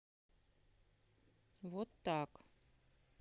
вот так